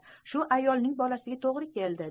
shu ayolning bolasiga to'g'ri keldi